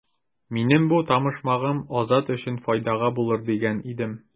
Минем бу табышмагым Азат өчен файдага булыр дигән идем.